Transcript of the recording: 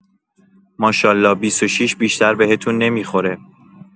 ماشالا ۲۶ بیشتر بهتون نمی‌خوره